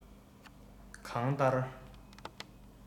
གང ལྟར